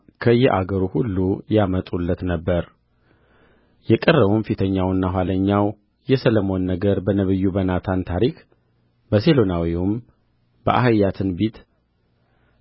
ከየአገሩ ሁሉ ያመጡለት ነበር የቀረውም ፊተኛውና ኋለኛው የሰሎሞን ነገር በነቢዩ በናታን ታሪክ በሴሎናዊውም በኦሒያ ትንቢት